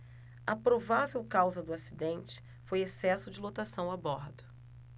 a provável causa do acidente foi excesso de lotação a bordo